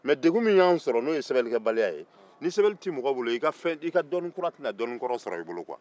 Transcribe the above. mɛ degun min y'an sɔrɔ n'o ye sɛbɛnni baliya ye ni sɛbɛnni tɛ mɔgɔ bolo i ka fɛ i ka dɔnni kura tɛ na dɔnni kɔrɔ sɔrɔ i bolo kuwa